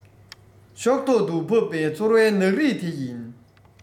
ཤོག ཐོག ཏུ ཕབ པའི ཚོར བའི ནག རིས དེ ཡིན